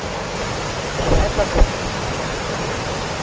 давай поговорим прятки